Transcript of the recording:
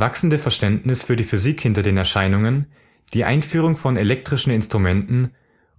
wachsende Verständnis für die Physik hinter den Erscheinungen, die Einführung von „ elektrischen “Instrumenten